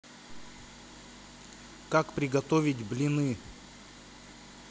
как приготовить блины